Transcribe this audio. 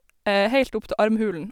Heilt opp til armhulen.